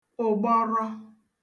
ụ̀gbọrọ